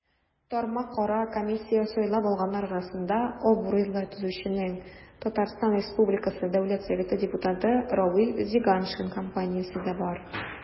Тармакара комиссия сайлап алганнар арасында абруйлы төзүченең, ТР Дәүләт Советы депутаты Равил Зиганшин компаниясе дә бар.